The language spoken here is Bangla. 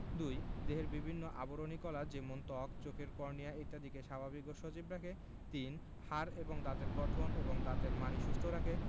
২. দেহের বিভিন্ন আবরণী কলা যেমন ত্বক চোখের কর্নিয়া ইত্যাদিকে স্বাভাবিক ও সজীব রাখে ৩. হাড় এবং দাঁতের গঠন এবং দাঁতের মাড়ি সুস্থ রাখে